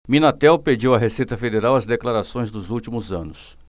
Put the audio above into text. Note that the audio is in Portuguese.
minatel pediu à receita federal as declarações dos últimos anos